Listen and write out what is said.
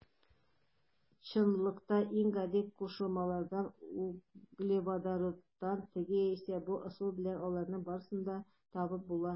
Чынлыкта иң гади кушылмалардан - углеводородлардан теге яисә бу ысул белән аларның барысын да табып була.